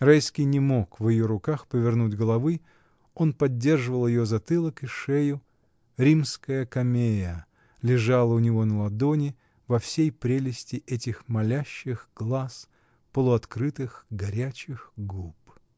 Райский не мог в ее руках повернуть головы, он поддерживал ее затылок и шею: римская камея лежала у него на ладони во всей прелести этих молящих глаз, полуоткрытых, горячих губ.